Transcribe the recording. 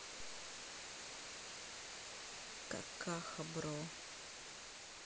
какаха бро